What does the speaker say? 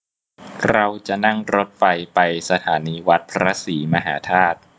เราจะนั่งรถไฟไปสถานีวัดพระศรีมหาธาตุ